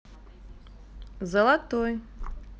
золотой